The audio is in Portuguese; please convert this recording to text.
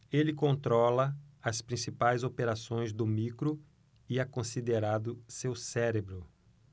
ele controla as principais operações do micro e é considerado seu cérebro